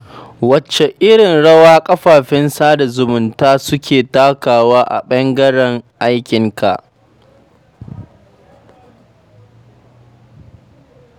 Wacce irin rawa kafafen sada zumunta suke takawa a ɓangaren aikinka?